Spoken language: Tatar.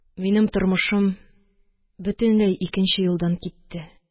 Минем тормышым бөтенләй икенче юлдан китте.